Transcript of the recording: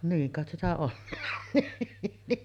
niin kai sitä ollaan niin